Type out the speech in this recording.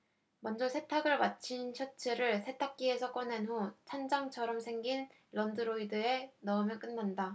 먼저 세탁을 마친 셔츠를 세탁기에서 꺼낸 후 찬장처럼 생긴 런드로이드에 넣으면 끝난다